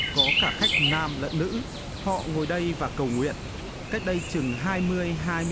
có cả khách nam lẫn nữ họ ngồi đây và cầu nguyện cách đây chừng hai mươi hai